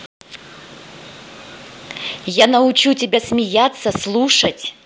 я научу тебя смеяться слушать